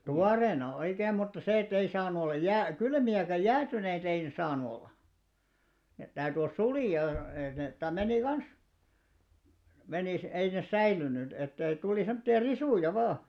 tuoreena oikein mutta se että ei saanut olla - jääkylmiä eikä jäätyneitä ei ne saanut olla ne täytyi olla sulia että ne - meni kanssa menisi ei ne säilynyt että ei tuli semmoisia risuja vain